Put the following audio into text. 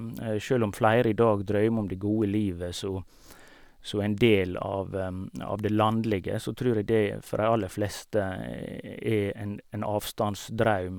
Sjøl om flere i dag drømmer om det gode livet som som en del av av det landlige, så tror jeg det for de aller fleste er en en avstandsdrøm.